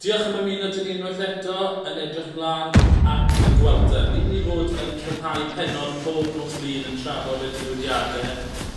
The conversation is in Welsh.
Diolch am ymuno 'dy ni unwaith eto yn edrych mlan at y Vuelta. Ni myn' i fod yn rhyddhau pennod pob nos Lun yn trafod y digwyddiade